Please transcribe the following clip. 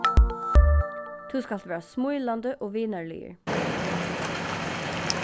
tú skalt vera smílandi og vinarligur